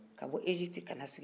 ka bɔ egypte kana sigin